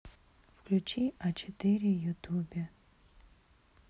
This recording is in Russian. включи а четыре ютубе